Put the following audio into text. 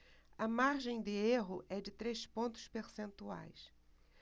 a margem de erro é de três pontos percentuais